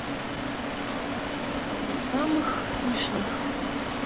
самых смешных